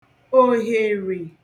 òhèrè